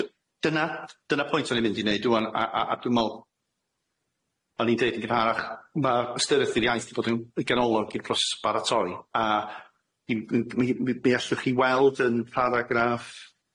D- dyna dyna'r pwynt o'n i'n mynd i neud ŵan a a a dwi me'wl o'n i'n deud yn gynharach ma' ystyriaeth i'r iaith di fod yn ganolog i'r proses baratori a mi mi mi mi allwch chi weld yn paragraff